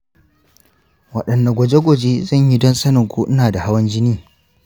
waɗanne gwaje-gwaje zan yi don sanin ko ina da hawan jini?